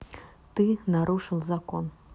ты нарушил закон